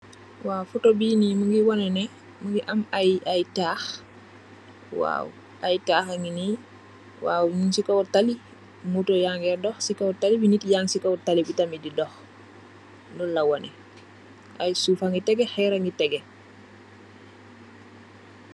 Amb tack la bou neh ci bourri youne